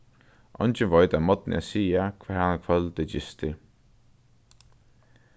eingin veit á morgni at siga hvar hann á kvøldi gistir